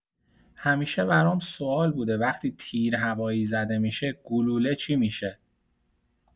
همیشه برام سوال بوده وقتی تیرهوایی زده می‌شه گلوله چی می‌شه؟